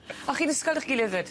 O'ch chi'n ysgol 'dych gilydd 'fyd?